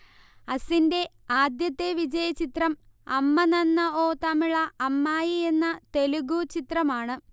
അസിൻറെ ആദ്യത്തെ വിജയചിത്രം അമ്മ നന്ന ഓ തമിള അമ്മായി എന്ന തെലുഗു ചിത്രമാണ്